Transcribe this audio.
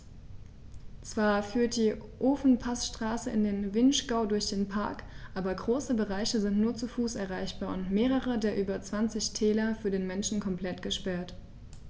Zwar führt die Ofenpassstraße in den Vinschgau durch den Park, aber große Bereiche sind nur zu Fuß erreichbar und mehrere der über 20 Täler für den Menschen komplett gesperrt.